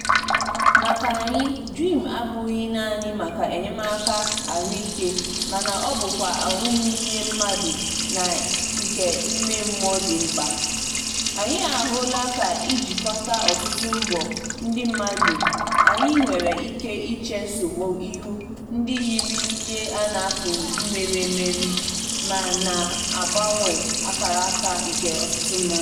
PG: Maka anyị DREAM abụghị naanị maka enyemaka ahụike mana ọ bụkwa ahụmihe mmadụ na nke ime mmụọ dị mkpa: anyị ahụla ka ijikọta ọtụtụ mbọ ndị mmadụ anyị nwere ike iche nsogbu ihu ndị yiri ihe a na-apụghị imeri emeri, ma na-agbanwe akaraka nke ọtụtụ mmadụ.